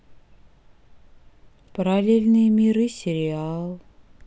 параллельные миры сериал